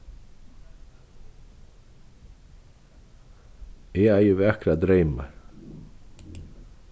eg eigi vakrar dreymar